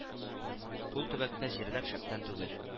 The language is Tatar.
Ул төбәктә җирләр шәптән түгел